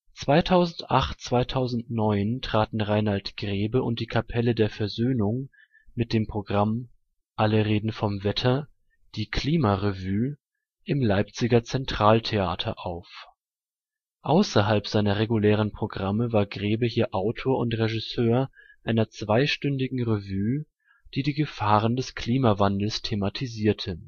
2008/2009 traten Rainald Grebe und die Kapelle der Versöhnung mit dem Programm „ Alle reden vom Wetter – Die Klimarevue “im Leipziger Centraltheater auf. Außerhalb seiner regulären Programme war Grebe hier Autor und Regisseur einer zweistündigen Revue, die die Gefahren des Klimawandels thematisierte